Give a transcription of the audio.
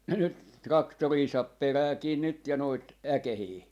nyt traktoreita saa peräti nyt ja noita äkeitä